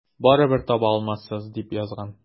Барыбер таба алмассыз, дип язган.